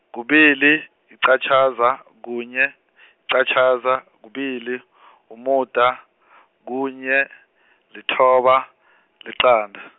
kubili, yiqatjhaza, kunye , yiqatjhaza, kubili , umuda, kunye, lithoba, liqanda.